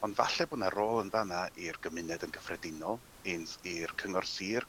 Ond falle bo' 'na rhôl yn fan 'na i'r gymuned yn gyffredinol i'n th- i'r cyngor sir